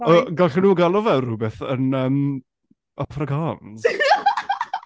Y gallai nhw galw fe rhywbeth yn Afrikaans